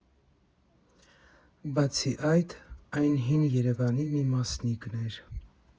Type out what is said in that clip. Բացի այդ, այն հին Երևանի մի մասնիկն էր։